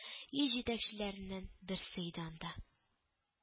Ил җитәкчеләреннән берсе иде анда